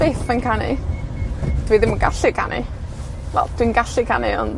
byth yn canu. Dwi ddim yn gallu canu. Wel dwi'n gallu canu, on'